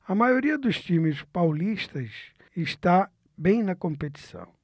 a maioria dos times paulistas está bem na competição